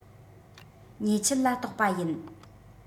ཉེས ཆད ལ གཏོགས པ ཡིན